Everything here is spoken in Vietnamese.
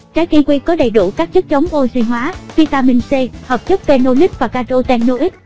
trái kiwi có đầy đủ các chất chống oxy hóa vitamin c hợp chất phenolic và carotenoid